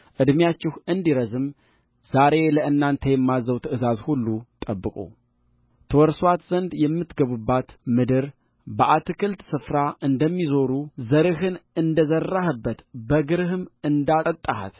ዕድሜአችሁ እንዲረዝም ዛሬ ለእናንተ የማዝዘውን ትእዛዝ ሁሉ ጠብቁትወርሳት ዘንድ የምትገባባት ምድር በአትክልት ስፍራ እንደሚዘሩ ዘርህን እንደዘራህባት በእግርህም እንዳጠጣሃት